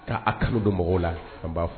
' a kanu don mɔgɔw la an b'a fɔ